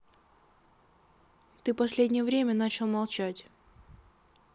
ты последнее время начал молчать